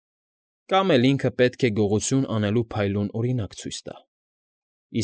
Կամ էլ ինքը պետք է գողություն անելու փայլուն օրինակ ցույց տա։